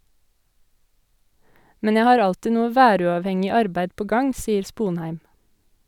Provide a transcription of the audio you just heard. Men jeg har alltid noe væruavhengig arbeid på gang, sier Sponheim.